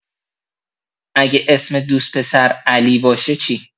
اگه اسم دوست پسر علی باشه چی؟